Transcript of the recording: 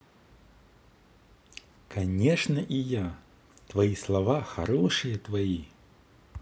конечно и я твои слова хорошие твои